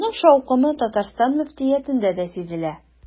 Моның шаукымы Татарстан мөфтиятендә дә сизелә.